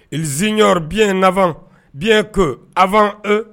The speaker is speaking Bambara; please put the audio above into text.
Ziy bi nafa bi ko afan eee